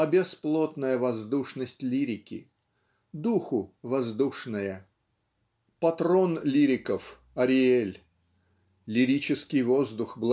а бесплотная воздушность лирики. Духу - воздушное. Патрон лириков - Ариэль. Лирический воздух